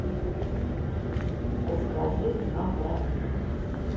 расскажи нам про них